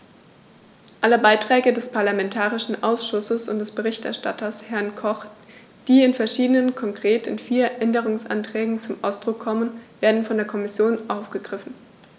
Alle Beiträge des parlamentarischen Ausschusses und des Berichterstatters, Herrn Koch, die in verschiedenen, konkret in vier, Änderungsanträgen zum Ausdruck kommen, werden von der Kommission aufgegriffen.